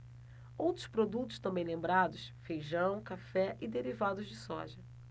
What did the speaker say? outros produtos também lembrados feijão café e derivados de soja